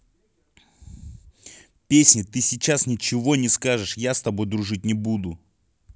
песни ты сейчас ничего не скажешь я с тобой дружить не буду